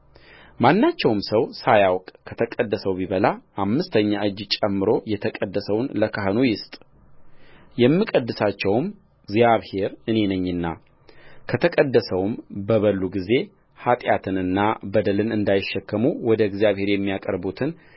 ማናቸውም ሰው ሳያውቅ ከተቀደሰው ቢበላ አምስተኛ እጅ ጨምሮ የተቀደሰውን ለካህኑ ይስጥየምቀድሳቸውም እግዚአብሔር እኔ ነኝና ከተቀደሰው በበሉ ጊዜ ኃጢአትንና በደልን እንዳይሸከሙ ወደ እግዚአብሔር የሚያቀርቡትን